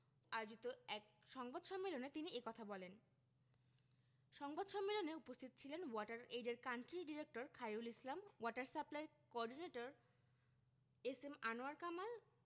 আয়োজিত এক সংবাদ সম্মেলনে তিনি এ কথা বলেন সংবাদ সম্মেলনে উপস্থিত ছিলেন ওয়াটার এইডের country director Khairul Islam water সাপ্লাইর coordinator S M Anwar Kamal